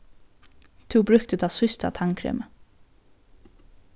tú brúkti tað síðsta tannkremið